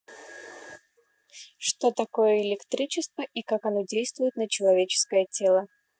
что такое электричество и как оно действует на человеческое тело